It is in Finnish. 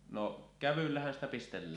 no kävyllähän sitä pistellään